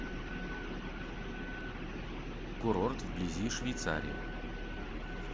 курорт вблизи швейцарии